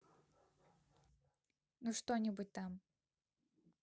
ну что нибудь там